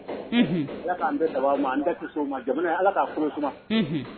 Ala k'an bɛɛ sababu ma ma jamana ala k' furu suma